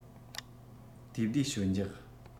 དུས བདེ ཞོད འཇགས